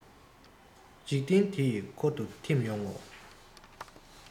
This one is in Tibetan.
འཇིག རྟེན འདི ཡི འཁོར དུ ཐིམ ཡོང ངོ